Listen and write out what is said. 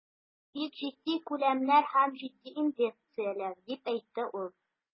Бу бик җитди күләмнәр һәм җитди инвестицияләр, дип әйтте ул.